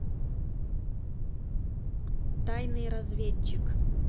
тайный разведчик